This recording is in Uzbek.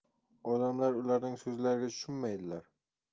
odamlar ularning so'zlariga tushunmaydilar